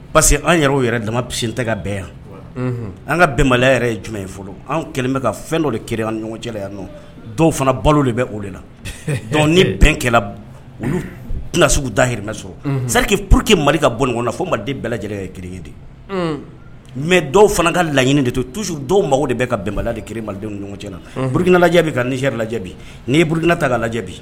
Parce que an yɛrɛ yɛrɛ dama tɛ ka bɛɛ yan an ka bɛnba yɛrɛ ye jumɛn ye fɔlɔ an kɛlen bɛ ka fɛn dɔ de ke ɲɔgɔncɛ yan nɔ dɔw fana balo de bɛ o de la dɔnku ni bɛnkɛla olu tɛna sugu da hmɛ sɔrɔ sariki pur que mali ka bɔ nin ɲɔgɔn na fo maliden bɛɛ lajɛlen ye ki ten mɛ dɔw fana ka laɲini de to tusu dɔw mago de bɛ ka bɛnba de ki maliden ni ɲɔgɔncɛ na burukinala ka hɛrɛ lajɛ ni ye buruina ta k ka lajɛ